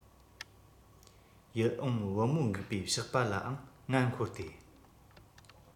ཡིད འོང བུ མོ འགུགས པའི ཞགས པ ལའང ང མཁོ སྟེ